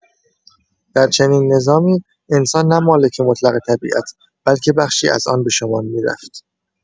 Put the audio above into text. در چنین نظامی، انسان نه مالک مطلق طبیعت، بلکه بخشی از آن به شمار می‌رفت.